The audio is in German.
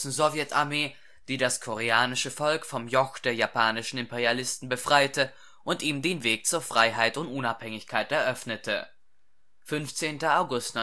Sowjetarmee, die das koreanische Volk vom Joch der japanischen Imperialisten befreite und ihm den Weg zu Freiheit und Unabhängigkeit eröffnete! 15. August